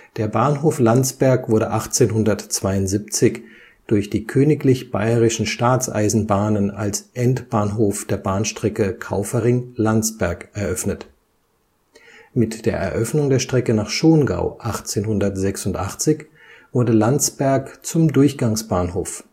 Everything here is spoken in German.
Der Bahnhof Landsberg wurde 1872 durch die Königlich Bayerischen Staatseisenbahnen als Endbahnhof der Bahnstrecke Kaufering – Landsberg eröffnet. Mit der Eröffnung der Strecke nach Schongau 1886 wurde Landsberg zum Durchgangsbahnhof